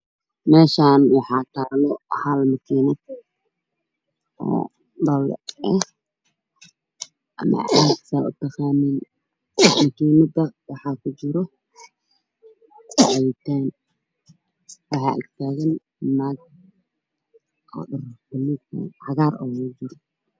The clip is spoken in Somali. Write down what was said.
Meeshaan waxaa taalo hal makiinada waa dhale eh ama caag saa u taqaaniin makiinada waxaa ku jira cabitaan waxaa agtaagan naag oo dhar oo baluug cagaar ow ugu jiro.